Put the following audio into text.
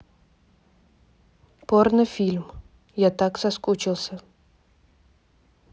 порно фильм я так соскучился